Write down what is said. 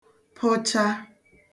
pụcha